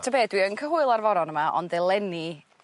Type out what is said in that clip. T'be' dwi yn ca' hwyl a'r foron yma ond eleni